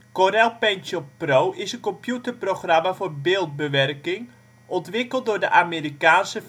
Corel Paint Shop Pro is een computerprogramma voor beeldbewerking, ontwikkeld door de Amerikaanse